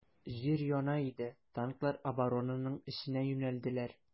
Җир яна иде, танклар оборонаның эченә юнәлделәр.